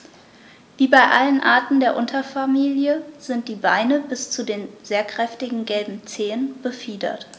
Wie bei allen Arten der Unterfamilie sind die Beine bis zu den sehr kräftigen gelben Zehen befiedert.